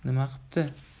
nima qipti